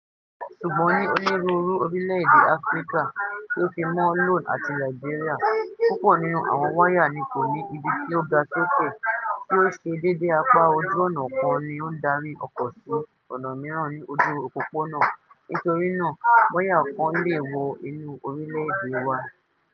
Ṣùgbọ́n, ní onírúurú orílẹ̀ èdè Áfríkà - tí ó fi mọ́ Leone àti Liberia - púpọ̀ nínú àwọn wáyà ni kò ní ibi tí ó ga sókè (tí ó ṣe déédé apá ojú ònà kan tí ó ń darí ọkọ sí ọ̀nà mìíràn ní ojú òpópónà), nítorí náà wáyà kan lè wọ inú orílẹ̀ èdè wá.